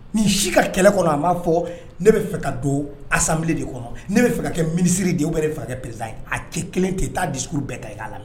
Nin si ka kɛlɛ kɔnɔ a'a fɔ ne bɛ fɛ ka don a sa de kɔnɔ ne bɛ fɛ ka kɛ minisiriri de ye o bɛ de perez ye a kɛ kelen tɛ t taa di bɛɛ ta' a la